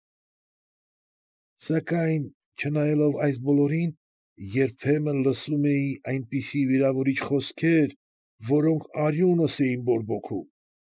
Սակայն չնայելով այս բոլորին, երբեմն լսում էի այնպիսի վիրավորիչ խոսքեր, որոնք արյունս էին բորբոքում։